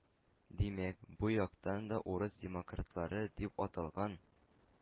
Димәк, бу яктан да урыс демократлары дип аталган